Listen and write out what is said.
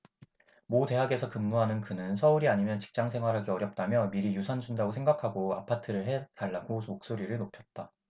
모 대학에서 근무하는 그는 서울이 아니면 직장생활하기 어렵다며 미리 유산 준다고 생각하고 아파트를 해 달라고 목소리를 높였다